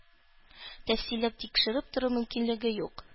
Тәфсилләп тикшереп тору мөмкинлеге юк